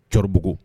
Cɔribugu